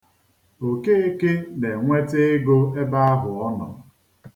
Okeke na-enweta ego ebe ahụ ọ nọ.